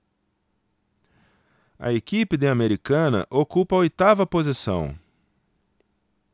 a equipe de americana ocupa a oitava posição